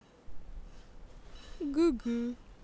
г г